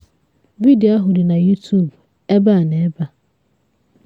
Vidiyo ahụ dị na YouTube ebe a na ebe a.